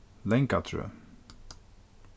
langatrøð